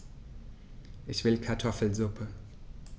Ich will Kartoffelsuppe.